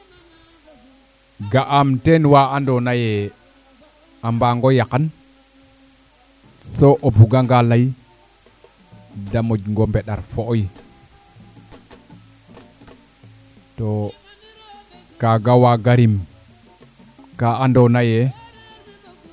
ga'am teen waa ando naye a mba ngo yaqan so o buga nga ley de moƴ ngo mbendar fo'oy to kaga waaga rim kaa ando naye